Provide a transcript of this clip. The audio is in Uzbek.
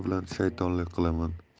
bilan shaytonlik qilaman